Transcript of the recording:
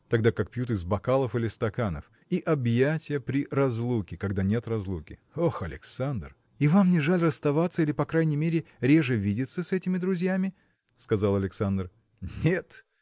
тогда как пьют из бокалов или стаканов и объятия при разлуке когда нет разлуки. Ох, Александр! – И вам не жаль расставаться или по крайней мере реже видеться с этими друзьями? – сказал Александр. – Нет!